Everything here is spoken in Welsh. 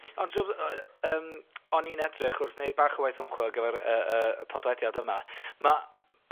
Ond t'mo yy yym, o'n i'n edrych wrth neud bach o waith ymchwil ar ar gyfer y y y podlediad yma. Ma'